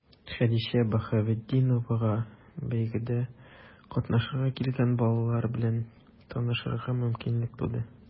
Хәдичә Баһаветдиновага бәйгедә катнашырга килгән балалар белән танышырга мөмкинлек туды.